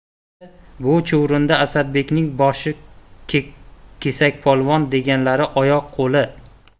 bu chuvrindi asadbekning boshi kesakpolvon deganlari oyoq qo'li